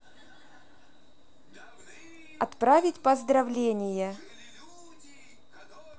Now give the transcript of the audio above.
отправить поздравление